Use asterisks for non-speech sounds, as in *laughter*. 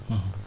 *hesitation* *hesitation*